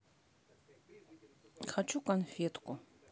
хочу конфетку